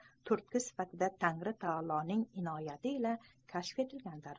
turtki sifatida tangri taoloning inoyati ila kashf etilgandir